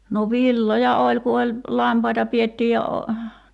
no villoja oli kun oli lampaita pidettiin ja -